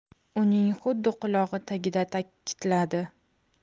uning xuddi qulog'i tagida takidladi